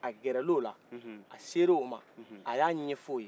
a gɛrɛlola a ser'o ma a y'a ɲɛf'o ye